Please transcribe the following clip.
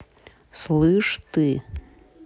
слыш ты